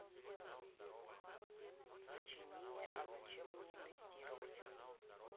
сочинение а зачем мне инвестировать